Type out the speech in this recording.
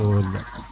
te mo woor de